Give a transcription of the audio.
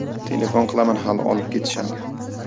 telefon qilaman hali olib ketishadi